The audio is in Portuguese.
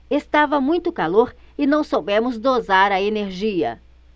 estava muito calor e não soubemos dosar a energia